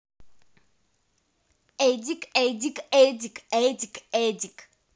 эдик эдик эдик эдик эдик